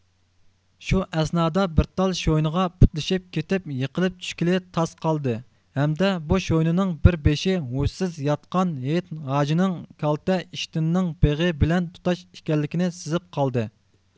شۇ ئەسنادا بىر تال شوينىغا پۇتلىشىپ كېتىپ يېقىلىپ چۈشكىلى تاس قالدى ھەمدە بۇ شوينىنىڭ بىر بېشى ھوشسىز ياتقان ھېيت ھاجىنىڭ كالتە ئىشتىنىنىڭ بېغى بىلەن تۇتاش ئىكەنلىكىنى سېزىپ قالدى